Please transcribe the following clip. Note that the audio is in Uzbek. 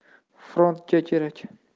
frontga kerak